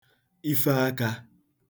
ife akā